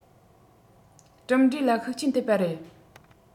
གྲུབ འབྲས ལ ཤུགས རྐྱེན ཐེབས པ རེད